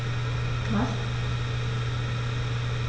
Was?